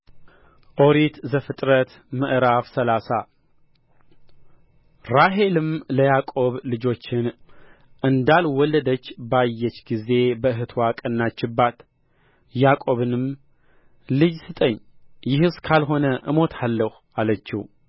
ኦሪት ዘፍጥረት ምዕራፍ ሰላሳ ራሔልም ለያዕቆብ ልጆችን እንዳልወለደች ባየች ጊዜ በእኅትዋ ቀናችባት ያቆብንም ልጅ ስጠኝ ይህስ ካልሆነ እሞታለሁ አለችው